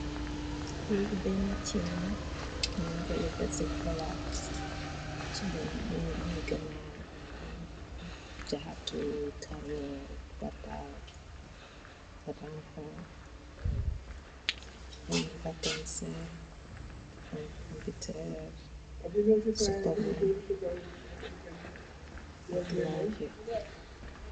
Lii am benna chine la nouko deff jahatou patas karot